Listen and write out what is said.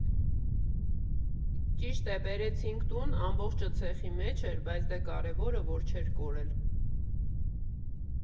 Ճիշտ է, բերեցինք տուն, ամբողջը ցեխի մեջ էր, բայց դե կարևորը, որ չէր կորել։